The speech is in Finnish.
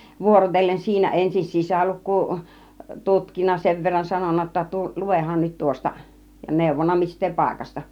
vuorotellen siinä ensin sisälukua tutkinut sen verran sanonut jotta - luehan nyt tuosta ja neuvonut mistä paikasta